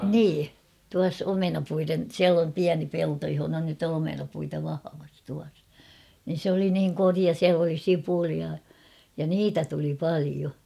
niin tuossa omenapuiden siellä on pieni pelto jossa nyt on omenapuita vahvassa tuossa niin se oli niin korea siellä oli sipulia ja niitä tuli paljon